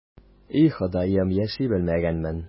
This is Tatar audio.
И, Ходаем, яши белмәгәнмен...